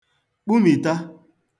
kpumìta